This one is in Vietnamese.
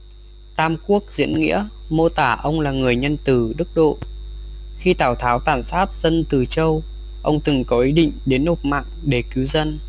tam quốc diễn nghĩa mô tả ông là người nhân từ đức độ khi tào tháo tàn sát dân từ châu ông từng có ý định đến nộp mạng để cứu dân